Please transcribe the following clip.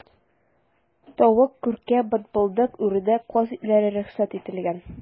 Тавык, күркә, бытбылдык, үрдәк, каз итләре рөхсәт ителгән.